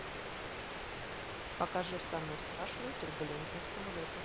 покажи самую страшную турбулентность самолета